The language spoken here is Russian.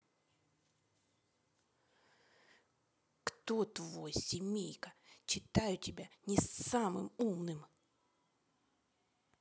кто твой семейка читаю тебя не самым умным